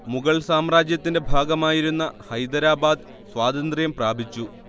മുഗൾ സാമ്രാജ്യത്തിന്റെ ഭാഗമായിരുന്ന ഹൈദരാബാദ് സ്വാതന്ത്ര്യം പ്രാപിച്ചു